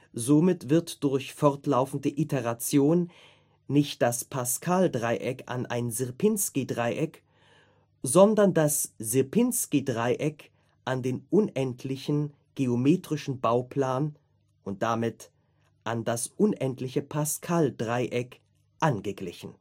Somit wird durch fortlaufende Iteration nicht das Pascal-Dreieck an ein Sierpinski-Dreieck, sondern das Sierpinski-Dreieck an den unendlichen geometrischen Bauplan und damit an das unendliche Pascal-Dreieck angeglichen